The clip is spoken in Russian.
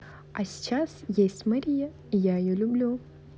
а сейчас есть мария я ее люблю